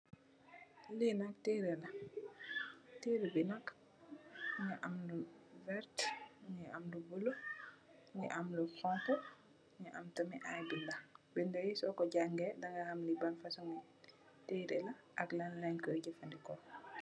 Li nak teereh la, teereh bi nak mungi am lu vert, mungi am lu bulo, mungi am lu honku, mungi am tamit ay binda. Binda yi soko jàngay daga ham li ban fasung ngi teereh ak lan leen koy jafadeko.